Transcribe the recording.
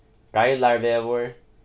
geilarvegur